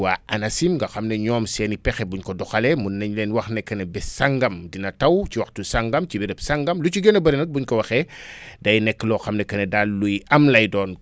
waa Anacim nga xam ne ñoom seen i pexe buñ ko doxalee mun nañ leen wax ne que ne bés sangam dina taw ci waxtu sangam ci béréb sangam lu ci gën a bëri nag buñ ko waxee day nekk loo xam ne que ne daal luy am la doon